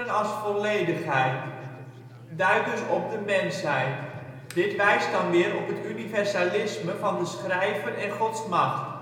als volledigheid) duidt dus op de mensheid. Dit wijst dan weer op het universalisme van de schrijver en Gods macht